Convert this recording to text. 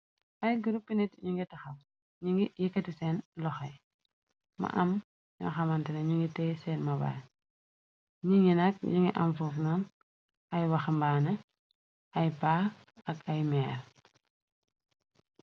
ay gurup nit ñu ngi taxaw ni ngi yeketu seen loxey ma am ñoo xamante na ñu ngi te seen mabaan ni ngi nag yiñu ngi am fofnon ay wax mbaane ay pa ak ay meer